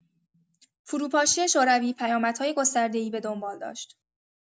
فروپاشی شوروی پیامدهای گسترده‌ای به دنبال داشت.